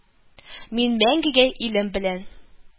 Мин мәңгегә илем белән